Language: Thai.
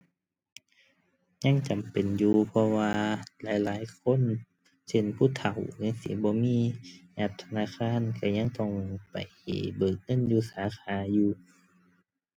ยังจำเป็นอยู่เพราะว่าหลายหลายคน เช่น ผู้เฒ่าจั่งซี้บ่มีแอปธนาคารก็ยังต้องไปเบิกเงินอยู่สาขาอยู่